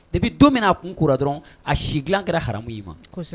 I bɛ don min a kun ko dɔrɔn a si dila kɛra hamu ma